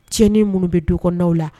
Cɛnin minnu bɛ dukɔnɔw la